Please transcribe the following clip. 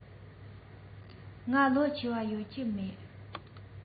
ང ལོ ཆེ བ ཡོད ཀྱི རེད